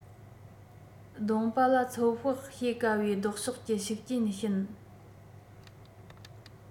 མདོང པ ལ ཚོད དཔག བྱེད དཀའ བའི ལྡོག ཕྱོགས ཀྱི ཤུགས རྐྱེན བྱིན